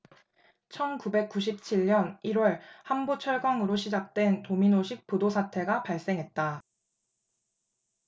천 구백 구십 칠 년 일 월 한보 철강으로 시작된 도미노식 부도 사태가 발생했다